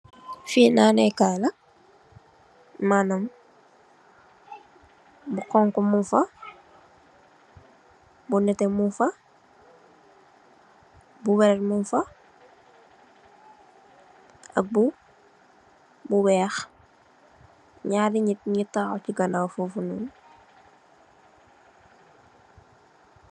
Fi naani Kay la, maanam, bu xonxu mung fa, bu netteh mung fa, bu yolet mung fa ak bu wèèx. Ñaari nit ñungi taxaw ci ganaw fof noon.